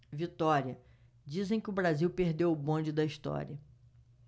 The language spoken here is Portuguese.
vitória dizem que o brasil perdeu o bonde da história